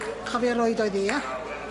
Cofia'r oed oedd 'i ia?